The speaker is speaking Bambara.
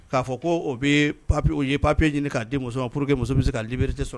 K'a fɔ ko o bɛ papi o ye papiye ɲini k'a di muso ma pur que muso bɛ se ka bibri tɛ sɔrɔ